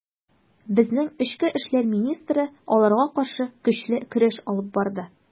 Безнең эчке эшләр министры аларга каршы көчле көрәш алып барды.